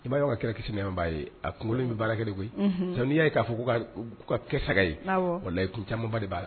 I b'a don anw ka kira kisi ni nɛma ni kisi b'a kan a kunkolo bɛ baara kɛ de koyi, unhun, n'i y''a ye a ko k'a kɛ saga ye wallahi kun caama ba de b'ala